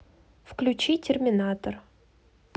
включи терминатор